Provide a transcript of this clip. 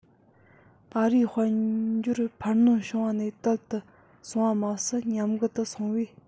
ཨ རིའི དཔལ འབྱོར འཕར སྣོན བྱུང བ ནས དལ དུ སོང བ མ ཟད ཉམས རྒུད དུ སོང བས